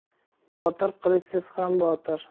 botir qilichsiz ham botir